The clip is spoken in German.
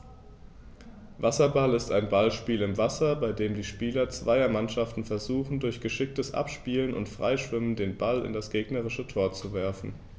Wasserball ist ein Ballspiel im Wasser, bei dem die Spieler zweier Mannschaften versuchen, durch geschicktes Abspielen und Freischwimmen den Ball in das gegnerische Tor zu werfen.